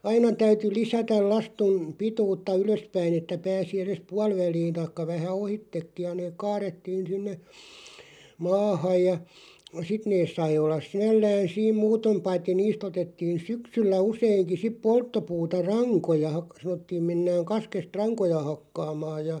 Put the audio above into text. aina täytyi lisätä lastujen pituutta ylöspäin että pääsi edes puoliväliin tai vähän ohitsekin ja ne kaarrettiin sinne maahan ja sitten ne sai olla sinällään siinä muuten paitsi niistä otettiin syksyllä useinkin sitten polttopuuta rankoja - sanottiin mennään kaskesta rankoja hakkaamaan ja